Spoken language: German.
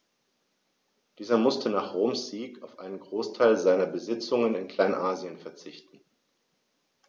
Dieser musste nach Roms Sieg auf einen Großteil seiner Besitzungen in Kleinasien verzichten.